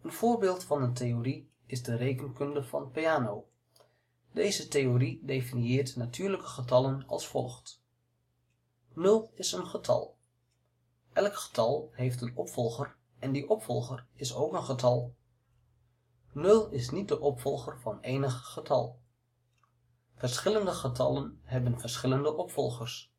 voorbeeld van een theorie is de rekenkunde van Peano. Deze theorie definieert natuurlijke getallen als volgt: Nul is een getal Elk getal heeft een opvolger en die opvolger is ook een getal Nul is niet de opvolger van enig getal Verschillende getallen hebben verschillende opvolgers